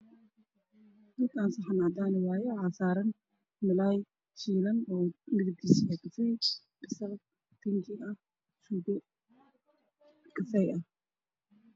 Meeshaan waxaa yaalo saxan cadaan ah waxaa saaran malaay shiilay oo gaduudan iyo basal bingi ah, suugo kafay ah.